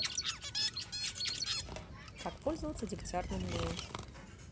как пользоваться дегтярным мылом